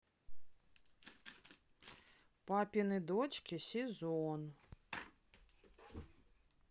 папины дочки сезон